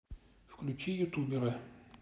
включи ютубера